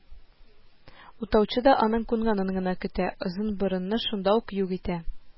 Утаучы да аның кунганын гына көтә, озынборынны шунда ук юк итә